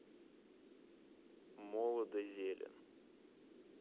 молодо зелен